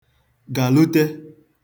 gàlute